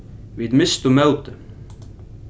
vit mistu mótið